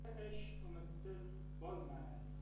umidli ish umidsiz bo'lmas